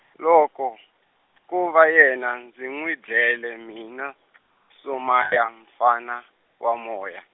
loko , ko va yena ndzi n'wi dlele mina , Somaya mfana, wa moya.